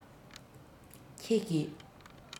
ཁྱེད ཀྱིས